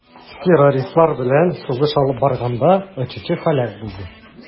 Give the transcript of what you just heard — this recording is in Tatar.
Террористлар белән сугыш алып барганда очучы һәлак булды.